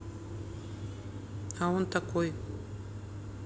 а он такой